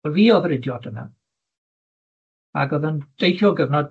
Wel fi o'dd yr idiot yna, ac o'dd yn deillio o gyfnod...